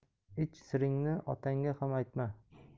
ich siringni otangga ham aytma